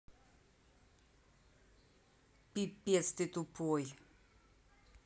пипец ты тупой